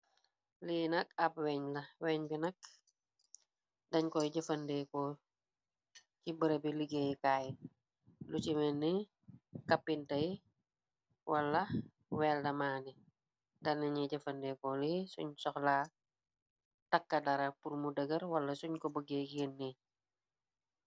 Lii nak ab weeñ bi nak dañ koy jëfandeekoo ci bërëbi liggéeyukaay lu ci menne kàppinte y wala weldamaani danaña jëfandeeko lii suñ soxla takka dara purmu dëgër wala suñ ko bëggee yeenni.